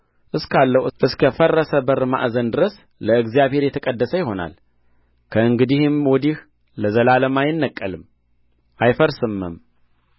እስካለው እስከ ፈረሰ በር ማዕዘን ድረስ ለእግዚአብሄር የተቀደሰ ይሆናል ከእንግዲህም ወዲህ ለዘላለም አይነቀልም አይፈርስምም